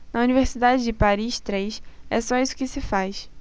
na universidade de paris três é só isso que se faz